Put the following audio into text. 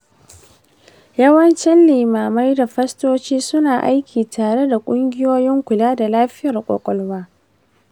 yawancin limamai da fastoci suna aiki tare da ƙungiyoyin kula da lafiyar kwakwalwa.